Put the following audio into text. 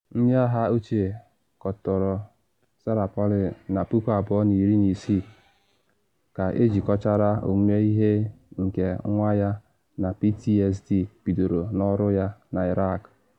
Ndị agha ochie kọtọrọ Sarah Palin na 2016 ka ejikọchara omume ihe ike nwa ya na PTSD bidoro n’ọrụ ya na Iraq.